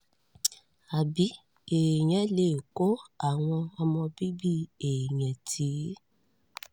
Àbí èèyàn lè kó àwọn ọmọbíbí èèyàn tìí?